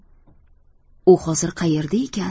u hozir qayerda ekan